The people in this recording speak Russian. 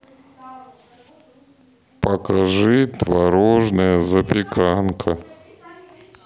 покажи творожная запеканка